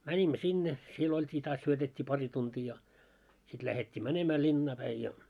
menimme sinne siellä oltiin taas syötettiin pari tuntia ja sitten lähdettiin menemään linnaan päin ja